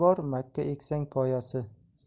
bor makka eksang poyasi